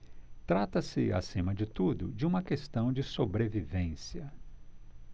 trata-se acima de tudo de uma questão de sobrevivência